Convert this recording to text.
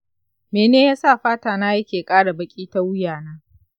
mene yasa fata na yake ƙara baƙi ta wuya na?